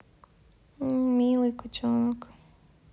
милый котенок